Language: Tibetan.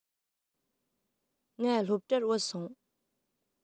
ང སློབ གྲྭར བུད སོང